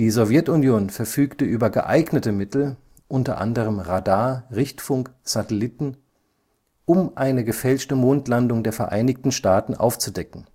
Sowjetunion verfügte über geeignete Mittel (unter anderem Radar, Richtfunk, Satelliten), um eine gefälschte Mondlandung der Vereinigten Staaten aufzudecken